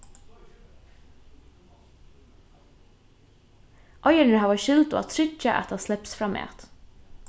eigararnir hava skyldu at tryggja at tað slepst framat